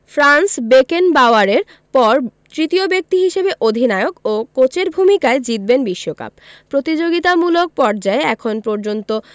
Franz বেকেনবাওয়ারের পর তৃতীয় ব্যক্তি হিসেবে অধিনায়ক ও কোচের ভূমিকায় জিতবেন বিশ্বকাপ প্রতিযোগিতামূলক পর্যায়ে এখন পর্যন্ত